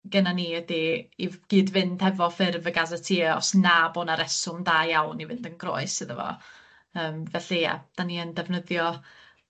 gynna ni ydi i f- gyd-fynd hefo ffurf y gazetteer os na bo' 'na reswm da iawn i fynd yn groes iddo fo yym felly ia 'dan ni yn defnyddio